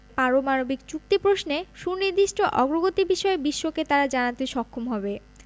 পারমাণবিক চুক্তি প্রশ্নে সুনির্দিষ্ট অগ্রগতি বিষয়ে বিশ্বকে তারা জানাতে সক্ষম হবে